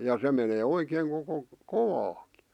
ja se menee oikein koko kovaakin